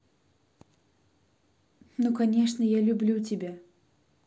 ну конечно я люблю тебя